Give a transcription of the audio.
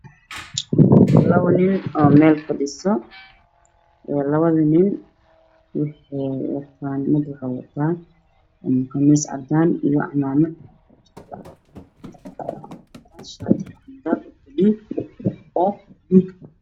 Waa labo nin oo meel fadhiyo mid waxuu wataa qamiis cadaan ah iyo cimaamad jaale ah, midka kale waxuu wataa shaati buluug iyo cadaan.